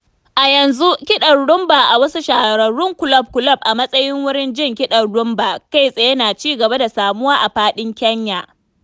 A yanzu kiɗan Rhumba a wasu shahararun kulob-kulob a matsayin wuurin jin kiɗan Rhumba kai-tsaye na ci gaba da samuwa a faɗin Kenya